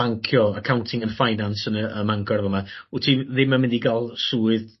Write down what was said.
bancio accounting and finance yn yy ym Mangor y' fa' 'ma wt ti ddim yn mynd i ga'l swydd